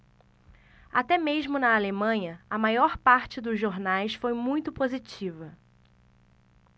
até mesmo na alemanha a maior parte dos jornais foi muito positiva